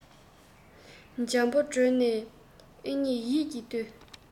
འཇམ པོ བསྒྲོན ནས ཨེ མཉེས ཡིད ཀྱིས ལྷོས